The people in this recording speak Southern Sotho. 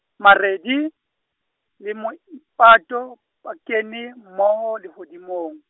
Maredi, le Maipato, ba kene, mmoho, lehodimong.